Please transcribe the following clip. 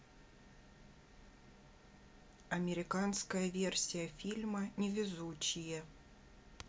американская версия фильма невезучие